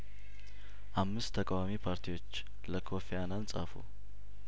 አምስት ተቃዋሚ ፓርቲዎች ለኮፊ አናን ጻፉ